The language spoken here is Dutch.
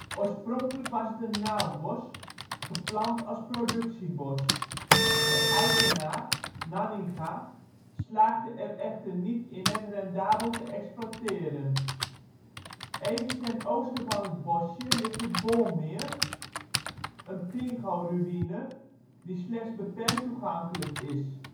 Oorspronkelijk was het een naaldbos, geplant als productiebos. De eigenaar, Nanninga, slaagde er echter niet in het rendabel te exploiteren. Even ten oosten van het bosje ligt het Bolmeer, een pingoruïne, die slechts beperkt toegankelijk is